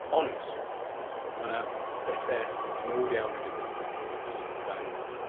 Ond, ma' 'na bethe mowr iawn yn digwydd fan hyn hefyd, o ran